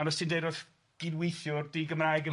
ond os ti'n deud wrth gydweithiwr di-Gymraeg na.